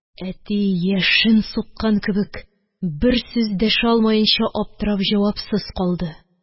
Әти, яшен суккан кебек, бер сүз дәшә алмаенча, аптырап җавапсыз калды